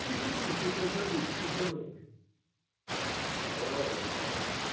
Приходите, когда будете здоровы. - Струсила!